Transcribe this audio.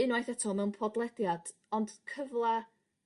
unwaith eto mewn podlediad ond cyfla